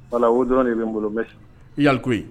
Bala o dɔrɔn de bɛ n bolo mɛ i yan' koyi